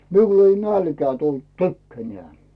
minulle ei nälkää tullut tykkänään